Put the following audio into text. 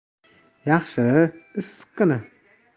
yaxshi issiqqina